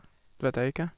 Det vet jeg ikke.